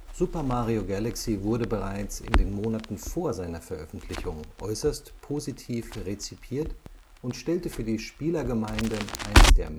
Super Mario Galaxy wurde bereits in den Monaten vor seiner Veröffentlichung äußerst positiv rezipiert und stellte für die Spielergemeinde eines der meistantizipierten